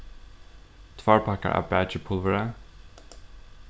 tveir pakkar av bakipulvuri